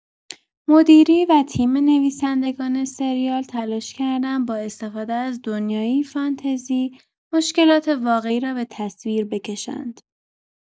مدیری و تیم نویسندگان سریال تلاش کردند با استفاده از دنیایی فانتزی، مشکلات واقعی را به تصویر بکشند.